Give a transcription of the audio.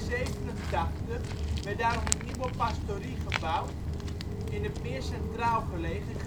1887 werd daarom een nieuwe pastorie gebouwd in het meer centraal gelegen